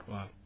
waa